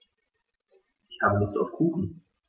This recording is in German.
Ich habe Lust auf Kuchen.